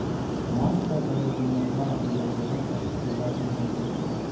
Шуңа күрә гражданнарга уяулыгын арттырыга киңәш ителә.